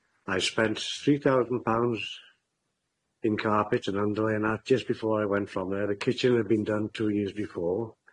I spent three thousand pounds in carpet and underlaying, that just before I went from there. The kitchen had been done two years before,